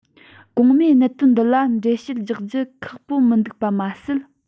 གོང སྨྲས གནད དོན འདི ལ འགྲེལ བཤད རྒྱག རྒྱུ ཁག པོ མི འདུག པ མ ཟད